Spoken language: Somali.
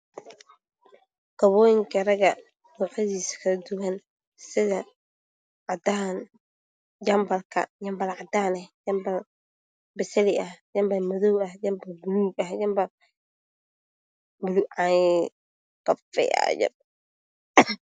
Waa kabooyinka raga nuucyadiisa kala duwan sida cadaan, jambal cadaan ah, basali, jambal madow ah, jambal gaduud ah.